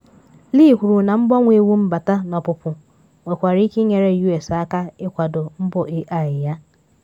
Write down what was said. Lee kwuru na mgbanwe iwu mbata na ọpụpụ nwekwara ike ịnyere U.S. aka ịkwado mbọ AI ya.